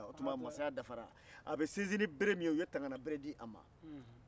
o tuma mansaya dafara a bɛ sisinni bere min ye u ye tangannabere di a ma